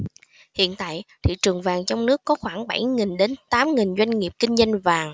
hiện tại thị trường vàng trong nước có khoảng bảy nghìn đến tám nghìn doanh nghiệp kinh doanh vàng